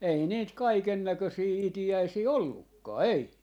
ei niitä kaikennäköisiä itiäisiä ollutkaan ei